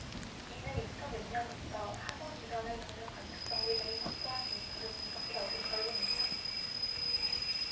이는 이천 육 년부터 화성 주변을 도는 관측 장비들이 확보한 데이터를 분석해 얻은 결론이다